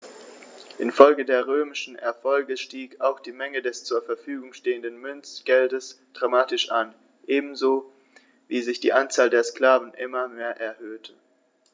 Infolge der römischen Erfolge stieg auch die Menge des zur Verfügung stehenden Münzgeldes dramatisch an, ebenso wie sich die Anzahl der Sklaven immer mehr erhöhte.